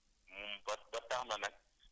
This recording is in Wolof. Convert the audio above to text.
moom janax